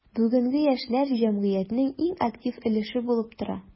Бүгенге яшьләр – җәмгыятьнең иң актив өлеше булып тора.